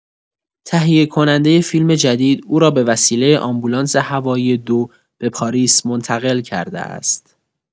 تهیه‌کنندۀ فیلم جدید او را به‌وسیلۀ آمبولانس هوایی ۲ به پاریس منتقل کرده است.